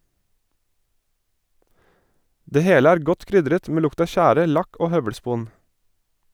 Det hele er godt krydret med lukt av tjære, lakk og høvelspon.